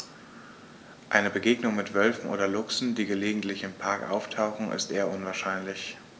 Eine Begegnung mit Wölfen oder Luchsen, die gelegentlich im Park auftauchen, ist eher unwahrscheinlich.